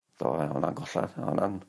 Do roedd wnna'n gollad. Mi o'dd o'n